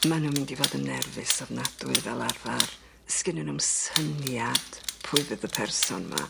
Ma' n'w mynd i fod yn nerfus ofnadwy fel arfar sginnyn nw'm syniad pwy fydd y person 'ma.